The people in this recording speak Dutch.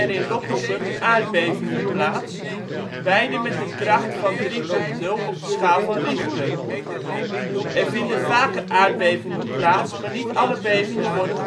in Loppersum aardbevingen plaats, beide met een kracht van 3.0 op de schaal van Richter. Er vinden vaker aardbevingen plaats maar niet alle bevingen worden